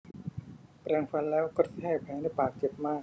แปรงฟันแล้วกระแทกแผลในปากเจ็บมาก